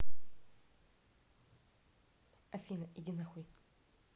афина иди нахуй